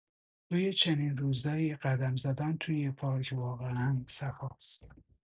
توی چنین روزایی، قدم زدن توی پارک واقعا صفاست.